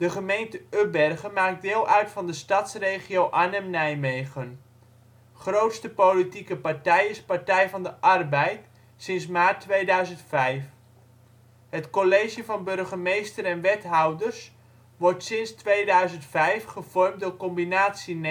gemeente Ubbergen maakt deel uit van de Stadsregio Arnhem-Nijmegen. Grootste politieke partij is Partij van de Arbeid, sinds maart 2005. Het college van burgemeester en wethouders wordt sinds 2005 gevormd door Combinatie